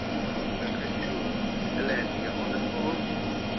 yy yy Chris Froome eleni ond y ffordd